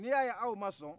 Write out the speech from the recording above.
n'i y'a ye aw ma sɔn